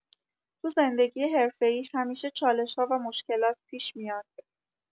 تو زندگی حرفه‌ای همیشه چالش‌ها و مشکلات پیش میان.